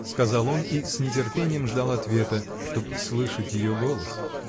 — сказал он и с нетерпением ждал ответа, чтоб слышать ее голос.